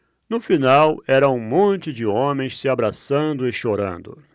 no final era um monte de homens se abraçando e chorando